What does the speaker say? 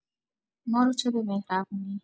مارو چه به مهربونی